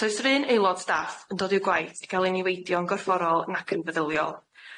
Does run aelod staff yn dod i'w gwaith i ga'l i niweidio'n gorfforol nac yn feddyliol.